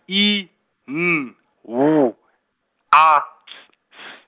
I N W A T S.